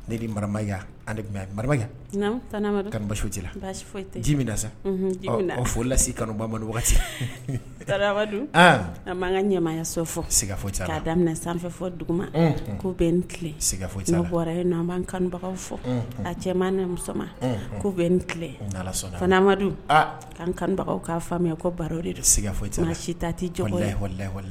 Nemasu ji sa furulasi kanubaga wagati an'an kamaya fɔ'a daminɛ sanfɔ dugu ko bɛ n bɔra an'an kanbagaw fɔ a cɛman musoman ko bɛ n amadu an kanbagaw'a faamuya ko baro de sfɔ si taa tɛ jɔn